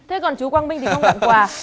thế còn chú quang minh thì không tặng quà